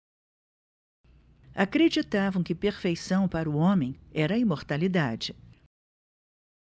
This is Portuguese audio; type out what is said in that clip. acreditavam que perfeição para o homem era a imortalidade